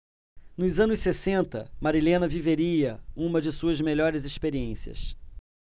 nos anos sessenta marilena viveria uma de suas melhores experiências